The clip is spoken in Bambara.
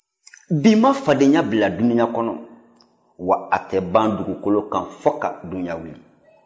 bi ma fadenya bila dunuya kɔnɔ wa a tɛ ban dugukolo kan fɔ ka dunuya wuli